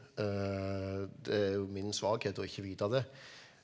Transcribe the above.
det er jo min svakhet å ikke vite det.